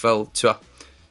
fel t'wo'